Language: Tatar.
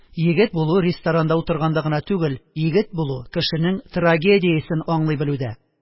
Егет булу ресторанда утырганда гына түгел, егет булу кешенең трагедиясен аңлый белүдә...